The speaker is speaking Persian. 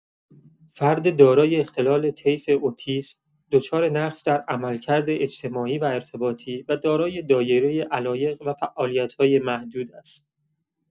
فرد دارای اختلال طیف اتیسم، دچار نقص در عملکرد اجتماعی و ارتباطی و دارای دایره علایق و فعالیت‌های محدود است.